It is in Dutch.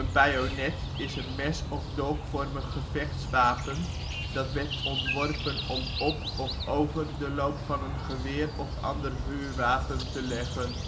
bajonet is een mes - of dolkvormig gevechtswapen dat werd ontworpen om op of over de loop van een geweer of ander vuurwapen te leggen